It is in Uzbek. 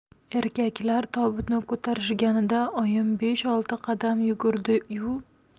erkaklar tobutni ko'tarishganida oyim besh olti qadam yugurdi yu